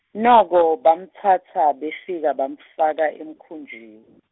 noko bamtsatsa befika bamfaka emkhunji-.